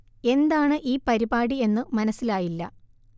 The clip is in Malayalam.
എന്താണ് ഈ പരിപാടി എന്നു മനസ്സിലായില്ല